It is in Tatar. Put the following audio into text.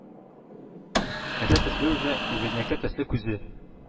Кеше төсле үзе, үгезнеке төсле күзе,